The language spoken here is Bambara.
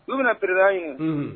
U bɛna pere ɲini